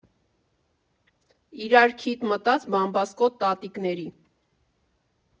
Իրար քիթ մտած բամբասկոտ տատիկների։